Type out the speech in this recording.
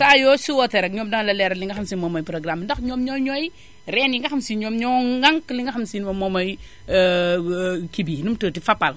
saa yoo si wootee rekk ñoom dinañu la leeralal li nga xam te ni si moom mooy programme ndax ñoom ñooy ñooy reen yi nga xam si ñoom ñoo ŋànk li nga si ne moom mooy kii bi nu mu tuddati Fapal